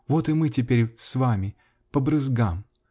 Вот и мы теперь с вами -- по брызгам.